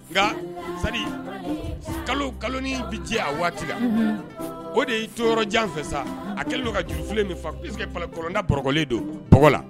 Nga c'est à dire kalo kalonin bi di a waati la Unhun . O de yi to yɔrɔjan fɛ sa , a kɛlen don ka jurufilen min fa puisque kɔlɔnda bɔrɔkɔlen don bɔgɔ la.